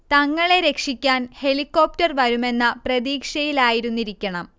തങ്ങളെ രക്ഷിക്കാൻ ഹെലികോപ്റ്റർ വരുമെന്ന പ്രതീക്ഷയിലായിരുന്നിരിക്കണം